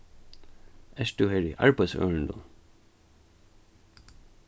ert tú her í arbeiðsørindum